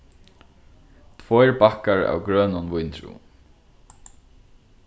tveir bakkar av grønum víndrúvum